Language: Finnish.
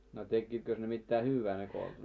no tekivätkös ne mitään hyvää ne koltunat